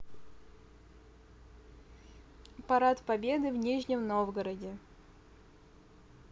парад победы в нижнем новгороде